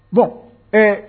Bɔn ɛɛ